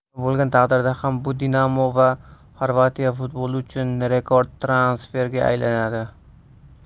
nima bo'lgan taqdirda ham bu dinamo va xorvatiya futboli uchun rekord transferga aylanadi